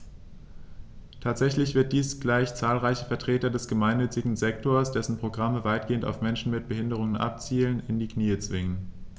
Tatsächlich wird dies gleich zahlreiche Vertreter des gemeinnützigen Sektors - dessen Programme weitgehend auf Menschen mit Behinderung abzielen - in die Knie zwingen.